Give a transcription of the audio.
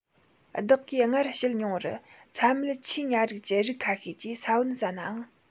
བདག གིས སྔར བཤད མྱོང བར ཚྭ མེད ཆུའི ཉ རིགས ཀྱི རིགས ཁ ཤས ཀྱིས ས བོན ཟ ནའང